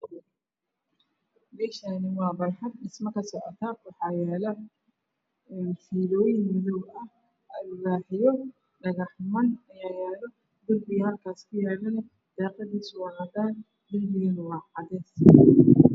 Meshani waabarxad kasocotodhismo waxa yaalo fiiloyin madow eh Alwaxyodhagaxman Aayalo derbiga xagaskuyaalo daqadiisawaacadan derbigana waacades